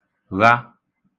gha